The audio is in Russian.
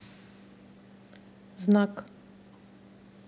знак